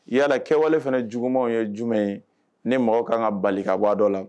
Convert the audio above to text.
I y'a kɛwale fana juguw ye jumɛn ye ne mɔgɔw ka kan ka bali ka bɔ dɔ la